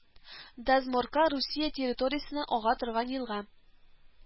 Дозморка Русия территориясеннән ага торган елга